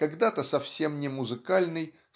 когда-то совсем не музыкальный